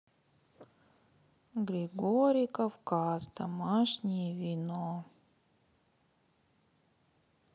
григорий кавказ домашнее вино